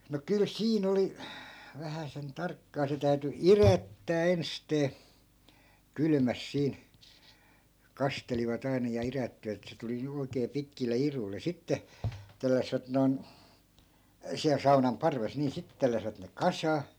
no kyllä siinä oli vähäsen tarkkaa se täytyi idättää ensisteen kylmässä siinä kastelivat aina ja idättivät että se tuli juuri oikein pitkille iduille sitten telläsivät noin siellä saunan parvessa niin sitten telläsivät ne kasaan